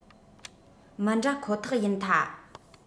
མི འདྲ ཁོ ཐག ཡིན ཐ